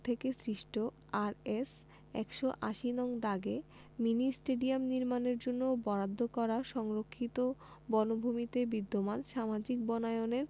থেকে সৃষ্ট আরএস ১৮০ নং দাগে মিনি স্টেডিয়াম নির্মাণের জন্য বরাদ্দ করা সংরক্ষিত বনভূমিতে বিদ্যমান সামাজিক বনায়নের